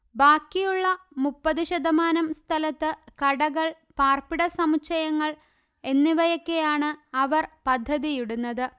ബാക്കിയുള്ള മുപ്പത് ശതമാനം സ്ഥലത്ത് കടകൾ പാർപ്പിട സമുച്ചയങ്ങൾ എന്നിവയൊക്കെയാണ് അവർ പദ്ധതിയിടുന്നത്